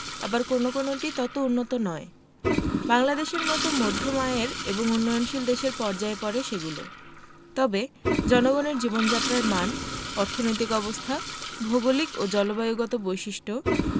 আবার কোনো কোনোটি তত উন্নত নয় বাংলাদেশের মতো মধ্যম আয়ের এবং উন্নয়নশীল দেশের পর্যায়ে পড়ে সেগুলো তবে জনগণের জীবনযাত্রার মান অর্থনৈতিক অবস্থাভৌগলিক ও জলবায়ুগত বৈশিষ্ট্য